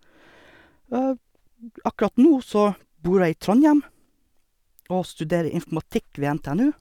Og akkurat nå så bor jeg i Trondhjem, og studerer informatikk ved NTNU.